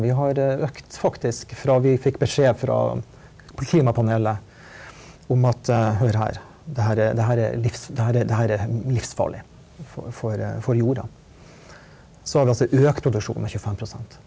vi har økt faktisk fra vi fikk beskjed fra klimapanelet om at hør her det her er det her er det her er det her er livsfarlig for for for jorda så har vi altså økt produksjonen med 25 prosent.